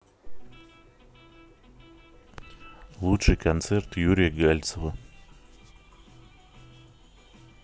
лучший концерт юрия гальцева